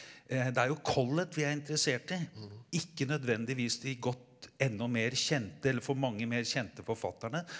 det er jo Collett vi er interessert i, ikke nødvendigvis de godt ennå mer kjente eller for mange mer kjente forfatterne.